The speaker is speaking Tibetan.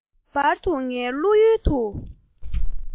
ལམ བར དུ ངའི བློ ཡུལ དུ